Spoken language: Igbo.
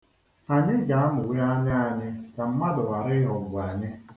Anyị ga-amụghe anya anyị ka mmadụ ghara ịghọgbu anyị.